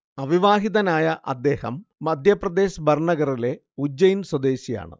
അവിവാഹിതനായ അദ്ദേഹം മധ്യപ്രദേശ് ബർണഗറിലെ ഉജ്ജയിൻ സ്വദേശിയാണ്